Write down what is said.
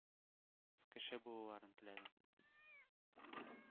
Кеше булуларын теләдем.